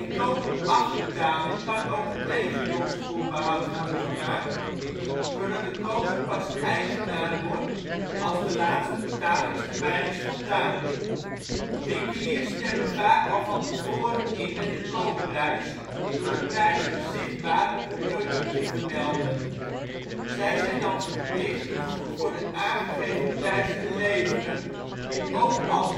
koop op afbetaling kan ook een eigendomsvoorbehoud worden gemaakt, zodat de koper pas eigenaar wordt als de laatste betalingstermijn is voldaan. Winkeliers stemmen vaak al van tevoren in met de koopprijs door de prijzen zichtbaar op het product te vermelden. Zij zijn dan verplicht het goed voor de aangegeven prijs te leveren, ook als